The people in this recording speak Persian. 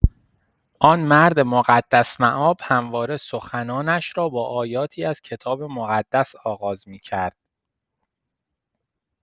آن مرد مقدس‌مآب همواره سخنانش را با آیاتی از کتاب مقدس آغاز می‌کرد.